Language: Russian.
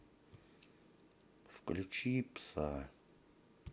включи пса